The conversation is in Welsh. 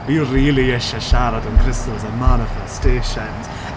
Fi rili isie siarad am crystals a manifestations.